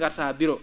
ngartaa bureau